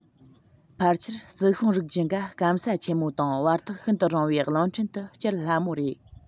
ཕལ ཆེར རྩི ཤིང རིགས རྒྱུད འགའ སྐམ ས ཆེན མོ དང བར ཐག ཤིན ཏུ རིང བའི གླིང ཕྲན དུ སྐྱེལ སླ མོ རེད